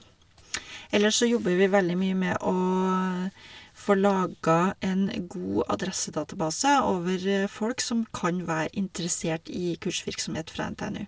Ellers så jobber vi veldig mye med å få laga en god adressedatabase over folk som kan være interessert i kursvirksomhet fra NTNU.